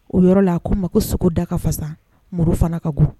O yɔrɔ la a ko ma ko sogo da ka fasa muru fana ka go